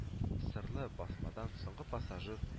Сырлы басмадан соңгы пассажир